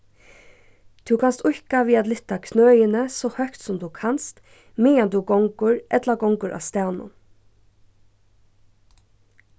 tú kanst íðka við at lyfta knøini so høgt sum tú kanst meðan tú gongur ella gongur á staðnum